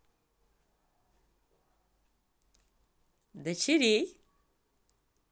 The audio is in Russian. дочерей